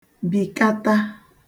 bìkata